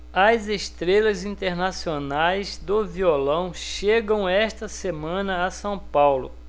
as estrelas internacionais do violão chegam esta semana a são paulo